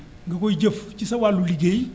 ñu koy jëf ci sa wçllu liggéey